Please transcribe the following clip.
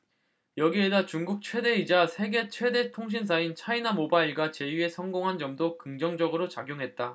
여기에다 중국 최대이자 세계 최대 통신사인 차이나모바일과 제휴에 성공한 점도 긍정적으로 작용했다